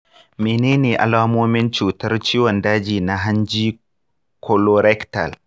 menene alamomin cutar ciwon daji na hanji colorectal